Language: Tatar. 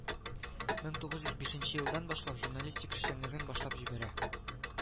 Бер мең тугыз йөз бишенче елдан башлап журналистлык эшчәнлеген башлап җибәрә